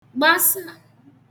gbasà